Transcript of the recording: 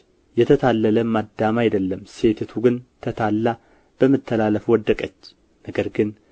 የተታለለም አዳም አይደለም ሴቲቱ ግን ተታልላ በመተላለፍ ወደቀች ነገር ግን